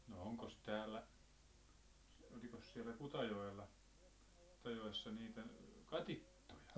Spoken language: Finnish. no onkos täällä olikos siellä Kutajoella Kutajoessa niitä katiskoja